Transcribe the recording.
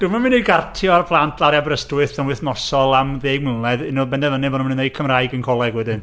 Dwi'm yn mynd i gartio'r plant lawr i Aberystwyth yn wythnosol am ddeg mlynedd, iddyn nhw benderfynu bod nhw'n mynd i wneud Cymraeg yn coleg wedyn.